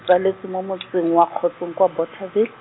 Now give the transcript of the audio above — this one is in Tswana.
tsaletswe mo motseng wa Kgotsong kwa Bothaville.